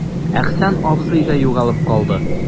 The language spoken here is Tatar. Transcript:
Әхсән абзый да югалып калды.